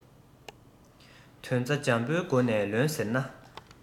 དོན རྩ འཇམ པོའི སྒོ ནས ལོན ཟེར ན